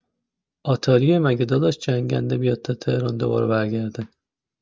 آتاریه مگه داداش جنگنده بیاد تا تهران دوباره برگرده